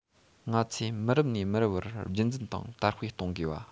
ང ཚོས མི རབས ནས མི རབས བར རྒྱུན འཛིན དང དར སྤེལ གཏོང དགོས བ